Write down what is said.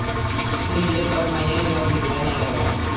qishligini topmagan yozligidan ayrilar